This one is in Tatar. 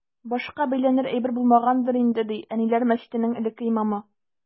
Башка бәйләнер әйбер булмагангадыр инде, ди “Әниләр” мәчетенең элекке имамы.